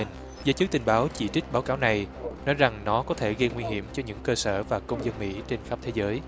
mình giới chức tình báo chỉ trích báo cáo này nói rằng nó có thể gây nguy hiểm cho những cơ sở và công dân mỹ trên khắp thế giới